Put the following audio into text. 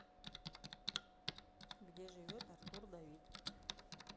где живет артур давид